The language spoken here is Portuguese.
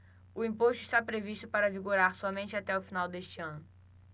o imposto está previsto para vigorar somente até o final deste ano